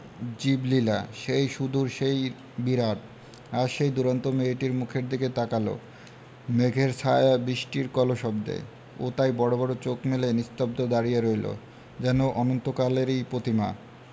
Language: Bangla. জীবলীলা সেই সুদূর সেই বিরাট আজ এই দুরন্ত মেয়েটির মুখের দিকে তাকাল মেঘের ছায়ায় বৃষ্টির কলশব্দে ও তাই বড় বড় চোখ মেলে নিস্তব্ধ দাঁড়িয়ে রইল যেন অনন্তকালেরই প্রতিমা